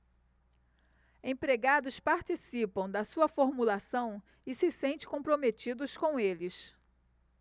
empregados participam da sua formulação e se sentem comprometidos com eles